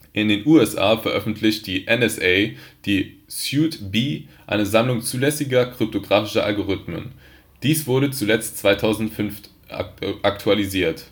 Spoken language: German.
In den USA veröffentlicht die NSA die Suite B - eine Sammlung zulässiger kryptographischer Algorithmen. Diese wurde zuletzt 2005 aktualisiert